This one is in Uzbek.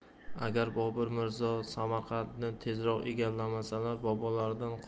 agar bobur mirzo samarqandni tezroq egallamasalar bobolaridan